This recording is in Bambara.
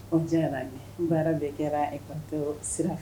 Anw bɛ ka baara bɛɛ kɛra sira fɛ